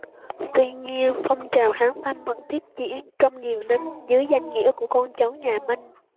tuy nhiên phong trào kháng thanh vẫn tiếp diễn trong nhiều năm dưới danh nghĩa của con cháu nhà minh